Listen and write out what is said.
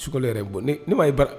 Sogo yɛrɛ ye bɔ ne m ma ye bara